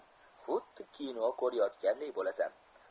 xuddi kino ko'rayotganday bo'lasan